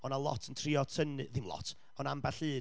oedd 'na lot yn trio tynnu... ddim lot, ond ambell un.